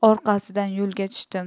orqasidan yo'lga tushdim